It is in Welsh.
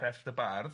Crefft y bardd.